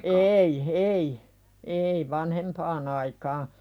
ei ei ei vanhempaan aikaa